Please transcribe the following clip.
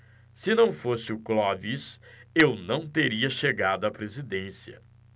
se não fosse o clóvis eu não teria chegado à presidência